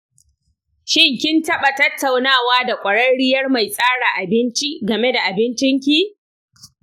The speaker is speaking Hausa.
shin kin taɓa tattaunawa da ƙwararriyar mai tsara abinci game da abincinki?